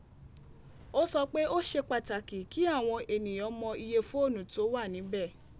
O sọ pe o ṣe pataki ki awọn eeyan mọ iye foonu tó wà níbẹ̀